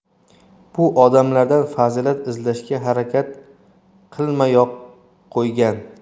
bu odamlardan fazilat izlashga harakat qilmayoq qo'ygan